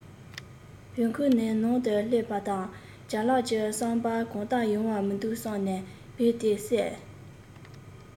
བེའུ འཁུར ནས ནང དུ སླེབས པ དང སྤྱང ལགས ཀྱི བསམ པར གང ལྟར ཡོང བ མི འདུག བསམས ནས བེའུ དེ བསད